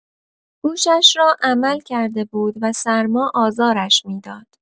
گوشش را عمل کرده بود و سرما آزارش می‌داد.